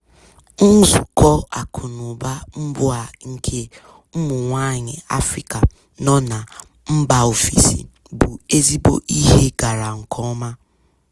Nzukọ Akụnụba mbụ a nke ụmụ nwaanyị Afrịka nọ na mba ofesi bụ ezigbo ihe gara nkeọma.